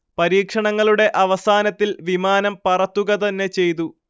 പരീക്ഷണങ്ങളുടെ അവസാനത്തിൽ വിമാനം പറത്തുകതന്നെ ചെയ്തു